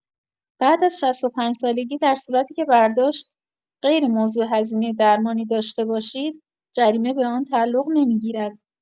بعد از ۶۵ سالگی در صورتیکه برداشت غیر موضوع هزینه درمانی داشته باشید جریمه به آن تعلق نمی‌گیرد.